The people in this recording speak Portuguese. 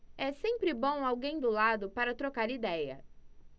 é sempre bom alguém do lado para trocar idéia